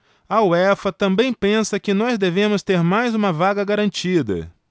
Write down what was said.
a uefa também pensa que nós devemos ter mais uma vaga garantida